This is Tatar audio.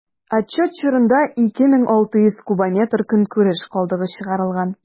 Отчет чорында 2600 кубометр көнкүреш калдыгы чыгарылган.